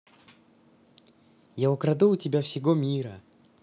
я украду у тебя всего мира